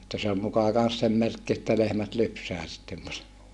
että se oli muka kanssa sen merkki että lehmät lypsää sitten paremmin